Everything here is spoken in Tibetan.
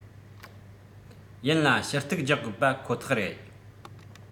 ཡིན ལ ཞུ གཏུག རྒྱག དགོས པ ཁོ ཐག རེད